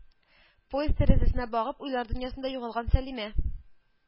Поезд тәрәзәсенә багып, уйлар дөньясында югалган Сәлимә